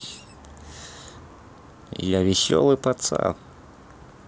я веселый пацан